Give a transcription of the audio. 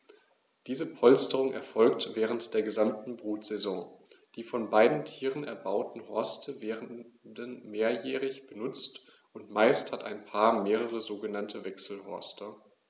Diese Polsterung erfolgt während der gesamten Brutsaison. Die von beiden Tieren erbauten Horste werden mehrjährig benutzt, und meist hat ein Paar mehrere sogenannte Wechselhorste.